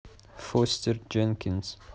фостер дженкинз